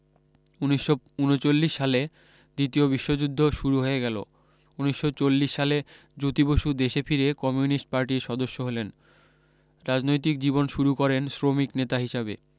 উনিশশ উনচল্লিশ সালে দ্বিতীয় বিশ্ব্যুদ্ধ শুরু হয়ে গেল উনিশশ চল্লিশ সালে জ্যোতি বসু দেশে ফিরে কমিউনিস্ট পার্টির সদস্য হলেন রাজনৈতিক জীবন শুরু করেন শ্রমিক নেতা হিসাবে